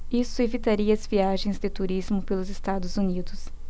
isso evitaria as viagens de turismo pelos estados unidos